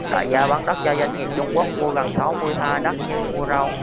đại gia bán đất cho doanh nghiệp trung quốc mua gần sáu mươi ha đất như mua rau